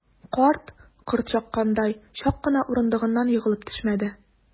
Карт, корт чаккандай, чак кына урындыгыннан егылып төшмәде.